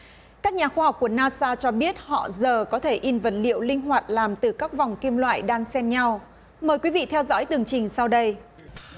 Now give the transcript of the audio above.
các nhà khoa học của na sa cho biết họ giờ có thể in vật liệu linh hoạt làm từ các vòng kim loại đan xen nhau mời quý vị theo dõi tường trình sau đây